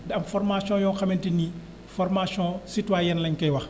daa am formation yoo xamante ni formation citoyenne la ñu koy wax